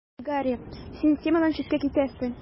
Гарри: Син темадан читкә китәсең.